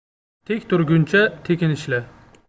tek turguncha tekin ishla